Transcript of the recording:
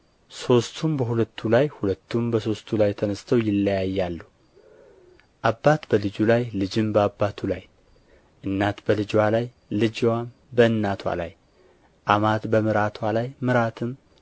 ሦስቱም በሁለቱ ላይ ሁለቱም በሦስቱ ላይ ተነሥተው ይለያያሉ አባት በልጁ ላይ ልጅም በአባቱ ላይ እናት በልጅዋ ላይ ልጅዋም በእናትዋ ላይ አማት በምራትዋ ላይ ምራትም